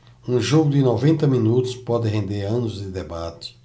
um jogo de noventa minutos pode render anos de debate